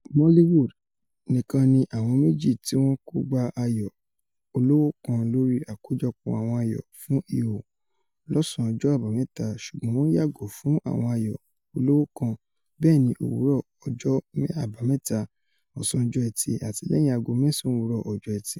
"Moliwood'' nìkan ni àwọn méjì tíwọn kògbá ayò ọlọ́wọ́kan lórí àkójọpọ̀ àwọn ayò fún ihò lọ́ọ̀sán ọjọ́ Àbámẹ́ta, ṣùgbọ́n wọ́n yàgò fún àwọn ayò ọlọ́wọ́kan bẹ́ẹ̀ ní òwúrọ̀ ọjọ́ Àbámẹ́ta, ọ̀sán ọjọ́ Ẹtì àti lẹ́yìn aago mẹ́ẹ̀sán òwúrọ̀ ọjọ́ Ẹtì.